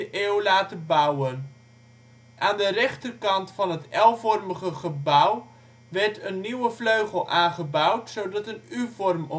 eeuw laten bouwen. Aan de rechterkant van het L-vormige gebouw werd een nieuwe vleugel aangebouwd, zodat een U-vorm ontstond